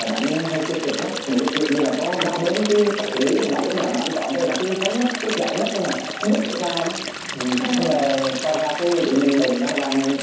bạn hay tiêu cực lãng một chuyện như là có ba bốn cây cách xử lý mà lúc nào bạn chọn xấu nhất tệ nhất tại sao nữa quay ra cái tự nhiên đang yên đang lành